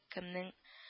Кемнең